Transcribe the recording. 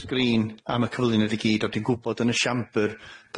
sgrin am y cyflwyniad i gyd ond dwi'n gwbod yn y shaimbyr